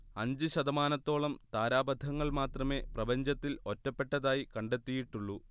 അഞ്ച് ശതമാനത്തോളം താരാപഥങ്ങൾ മാത്രമേ പ്രപഞ്ചത്തിൽ ഒറ്റപ്പെട്ടതായി കണ്ടെത്തിയിട്ടുള്ളൂ